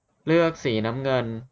เลือกสีน้ำเงิน